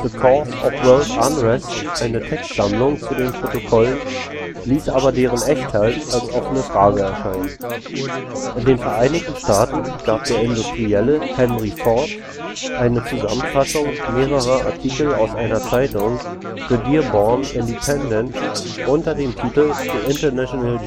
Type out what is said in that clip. Cause of World Unrest eine Textsammlung zu den Protokollen, ließ aber deren Echtheit als offene Frage erscheinen. In den Vereinigten Staaten gab der Industrielle Henry Ford eine Zusammenfassung mehrerer Artikel aus seiner Zeitung The Dearborn Independent unter dem Titel The International